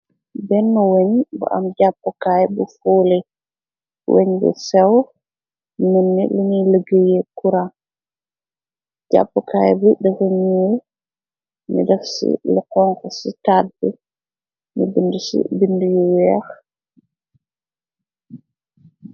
Benne weñ bu am jàppukaay bu foole, weñ bu sew, mëlne lu ñuy lëggeeye kura, jàppukaay bi defa nyuul ñu daf ci lu xonxu ci tadbi, ñu binde ci binde yu weex.